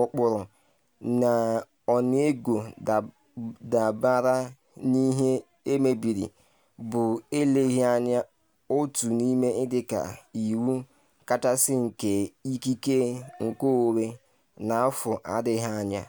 ụkpụrụ n’ọnụego dabara n’ihe emebiri, bụ eleghị anya otu n’ime ịda iwu kachasị nke ikike nkeonwe n’afọ adịghị anya.”